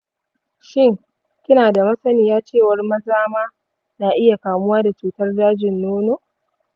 shin kina da masaniya cewar maza ma na iya kamuwa da cutar dajin nono?